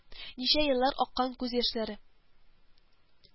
Ничә еллар аккан күз яшьләре